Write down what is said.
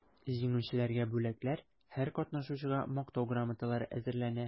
Җиңүчеләргә бүләкләр, һәр катнашучыга мактау грамоталары әзерләнә.